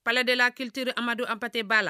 Palais de la culture Amadou Ampaté Ba la